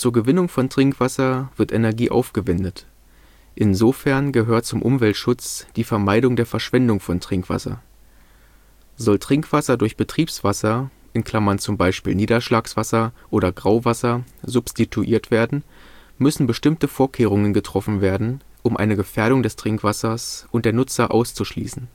Gewinnung von Trinkwasser wird Energie aufgewendet. Insofern gehört zum Umweltschutz die Vermeidung der Verschwendung von Trinkwasser. Soll Trinkwasser durch Betriebswasser (z. B. Niederschlagswasser, Grauwasser) substituiert werden, müssen bestimmte Vorkehrungen getroffen werden, um eine Gefährdung des Trinkwassers und der Nutzer auszuschließen